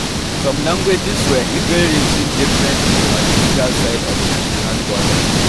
Some languages were even written differently on either side of national borders.